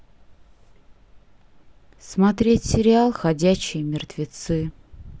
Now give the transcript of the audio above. смотреть сериал ходячие мертвецы